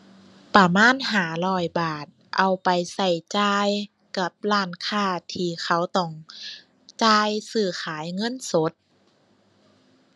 ประมาณห้าร้อยบาท เอาไปใช้จ่ายกับร้านค้าที่เขาต้องจ่าย ซื้อขายเงินสด